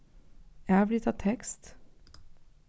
avrita tekst